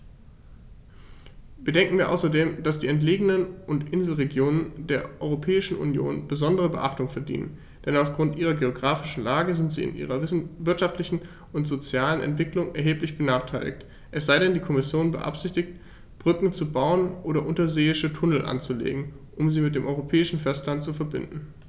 Bedenken wir außerdem, dass die entlegenen und Inselregionen der Europäischen Union besondere Beachtung verdienen, denn auf Grund ihrer geographischen Lage sind sie in ihrer wirtschaftlichen und sozialen Entwicklung erheblich benachteiligt - es sei denn, die Kommission beabsichtigt, Brücken zu bauen oder unterseeische Tunnel anzulegen, um sie mit dem europäischen Festland zu verbinden.